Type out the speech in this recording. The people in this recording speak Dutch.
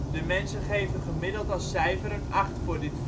De mensen geven gemiddeld als cijfer een 8 voor dit feest